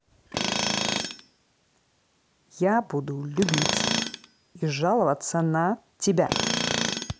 я буду любить и жаловаться на тебя